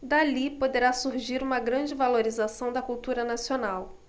dali poderá surgir uma grande valorização da cultura nacional